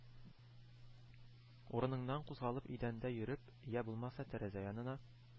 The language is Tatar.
Урыныңнан кузгалып идәндә йөреп, йә булмаса, тәрәзә янына